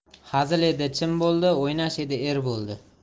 hazil edi chin bo'ldi o'ynash edi er bo'ldi